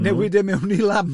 I newid e mewn i lamp!